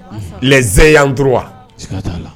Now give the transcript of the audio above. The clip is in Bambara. lez yantura wa